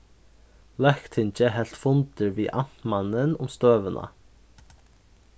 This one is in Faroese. løgtingið helt fundir við amtmannin um støðuna